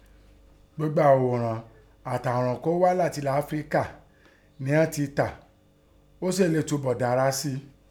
Gbogbo àòrán àtẹn àòrán kọ́ há látẹn ẹlẹ̀ Áfíríkà nẹi ọ́n tẹ tà, ọ́ sèè leè tọbọ̀ dáa sí i.